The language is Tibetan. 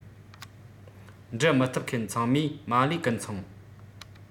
འབྲི མི ཐུབ མཁན ཚང མས མ ལུས ཀུན ཚང